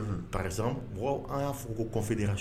Pa an y'a f kɔfɛfi